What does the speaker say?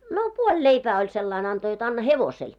no puoli leipää oli sillä lailla antoi jotta anna hevoselle